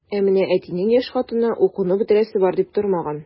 Ә менә әтинең яшь хатыны укуны бетерәсе бар дип тормаган.